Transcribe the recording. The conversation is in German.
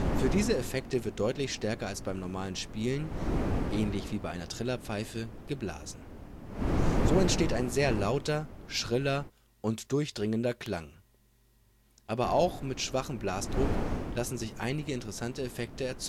Für diese Effekte wird deutlich stärker als beim normalen Spielen, ähnlich wie bei einer Trillerpfeife, geblasen. So entsteht ein sehr lauter, schriller und durchdringender Klang. Aber auch mit schwachem Blasdruck lassen sich einige interessante Effekte erzeugen